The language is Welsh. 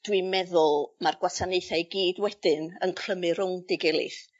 dwi'n meddwl ma'r gwasanaethe i gyd wedyn yn clymu rownd ei gilydd.